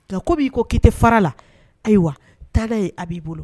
NKa komi i ko k'i tɛ fara a la, ayiwa taa n'a ye , a b'i bolo.